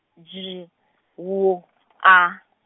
J W A.